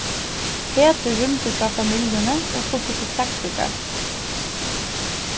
petur rýmdi frá familjuni og flutti til klaksvíkar